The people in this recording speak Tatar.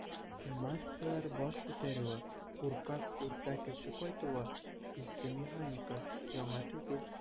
"массалар баш күтәрүе", куркак "урта кеше" кайтуы - иске механика, яңа түгел.